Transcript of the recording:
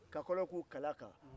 kakɔlɔw k'u kalen a kan